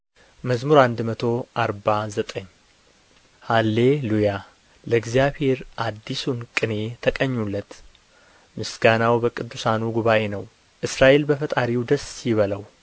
መዝሙር መቶ አርባ ዘጠኝ ሃሌ ሉያ ለእግዚአብሔር አዲሱን ቅኔ ተቀኙለት ምስጋናው በቅዱሳኑ ጉባኤ ነው እስራኤል በፈጣሪው ደስ ይበለው